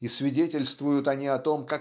И свидетельствуют они о том